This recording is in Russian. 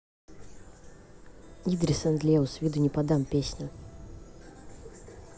idris and leos виду не подам песня